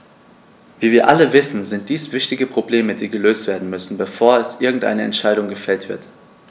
Wie wir alle wissen, sind dies wichtige Probleme, die gelöst werden müssen, bevor irgendeine Entscheidung gefällt wird.